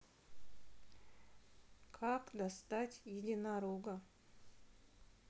как достать единорога